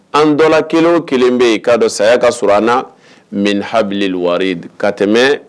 An dɔ kelen kelen bɛ yen k'a dɔn saya ka surun an na mi halwari ka tɛmɛ